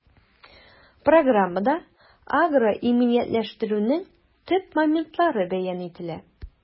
Программада агроиминиятләштерүнең төп моментлары бәян ителә.